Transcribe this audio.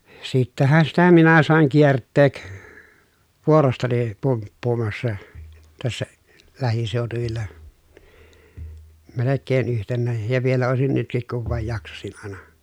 sittenhän sitä minä sain kiertää vuorostani pumppuamassa tässä lähiseutuvilla melkein yhtenään ja vielä olisin nytkin kun vain jaksaisin aina